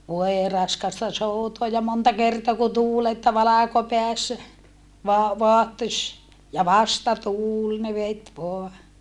voi raskasta soutaa ja monta kertaa kun tuuli että valkopäässä vain vaahtosi ja vastatuuli ne veti vain